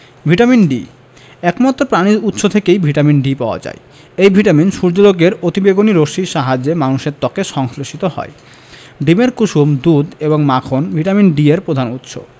vitamin D একমাত্র প্রাণিজ উৎস থেকেই ভিটামিন D পাওয়া যায় এই ভিটামিন সূর্যালোকের অতিবেগুনি রশ্মির সাহায্যে মানুষের ত্বকে সংশ্লেষিত হয় ডিমের কুসুম দুধ এবং মাখন ভিটামিন D এর প্রধান উৎস